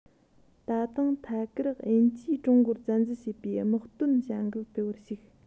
ད དུང ཐད ཀར དབྱིན ཇིས ཀྲུང གོར བཙན འཛུལ བྱེད པའི དམག དོན བྱ འགུལ སྤེལ བར ཞུགས